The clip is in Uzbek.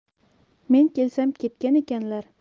men kelsam ketgan ekanlar